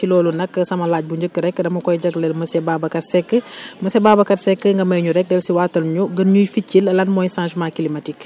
ci loolu nag sama laaj bu njëkk rek dama koy jagleel monsieur Babacar Seck monsieur Babacar Seck nga may ñu rek dellusiwaatal ñu gën ñuy feccil lan mooy changement climatique